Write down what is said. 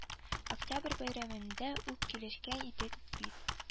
Октябрь бәйрәмендә үк килешкән идек бит